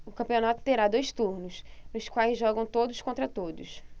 o campeonato terá dois turnos nos quais jogam todos contra todos